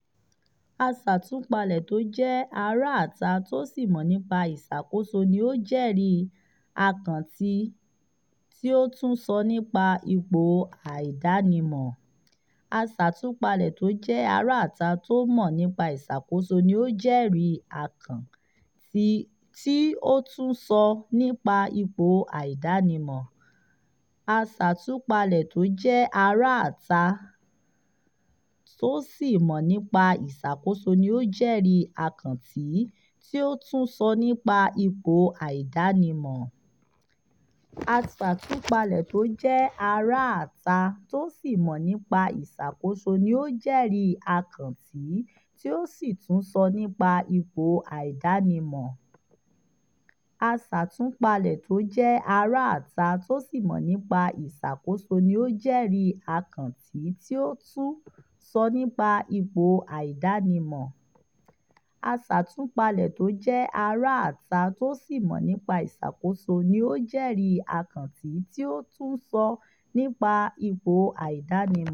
Aṣàtúpalẹ̀ tó jẹ́ aráàta tó sì mọ̀ nípa ìsàkóso ní ó jẹ́rìí àkáǹtì tí ó tun sọ nípa ipò àìdánimọ.